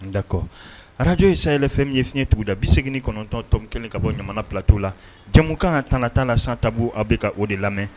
D'accord, radio ye sahel FM ye fiyɛn tugun da 89.1 Ɲamana plateau la, jɛmukan tana t'a la, sans tabou a bɛ ka o de lamɛn